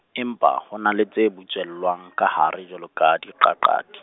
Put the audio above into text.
empa, ho na le tse butswellwang, ka hare jwalo ka di diqaqati.